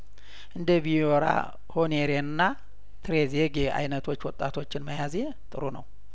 እንደ ቪዮራ ሆኔሬና ትሬዜጌ አይነቶች ወጣቶችን መያዜ ጥሩ ነው